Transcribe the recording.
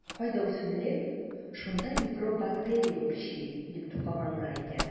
Кайда үсемлек - шунда микроб-бактерия үрчи, - дип тукыганнар икән.